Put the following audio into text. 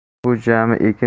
bu jami ekin ekiladigan